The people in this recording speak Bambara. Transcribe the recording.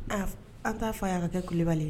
Aa an t'a fɔ'a ka kɛ kubali